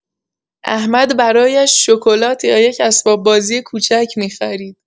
احمد برایش شکلات یا یک اسباب‌بازی کوچک می‌خرید.